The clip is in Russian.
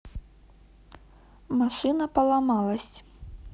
машина поломалась